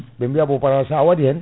ɓe biyamo bo pa sa waɗi hen